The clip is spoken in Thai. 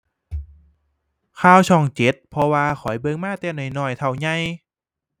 ข่าวช่องเจ็ด เพราะว่าข้อยเบิ่งมาแต่น้อยน้อยเท่าใหญ่